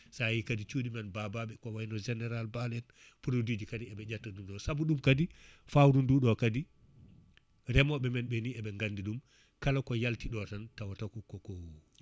sa yeehi kadi cuuɗi men Babaɓe ko wayno général Ban en produit kadi eɓe ƴetta ɗum ɗon saabu ɗum kadi fawru ndu ɗo kadi reemoɓe men ɓe ni eɓe gandiɗum kala ko yaltiɗo tan tawata koko